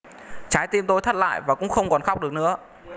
trái tim tôi thắt lại và cũng không còn khóc được nữa